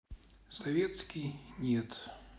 советский нет